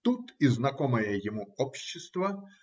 Тут и знакомое ему общество